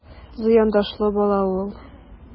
Зыяндашлы бала ул...